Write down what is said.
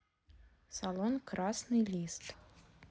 салон красный лист